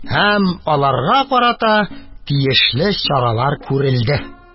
Һәм аларга карата тиешле чаралар да күрелде.